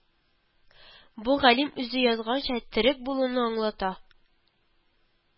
Бу, галим үзе язганча, терек булуны аңлата